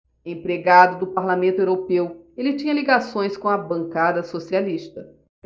empregado do parlamento europeu ele tinha ligações com a bancada socialista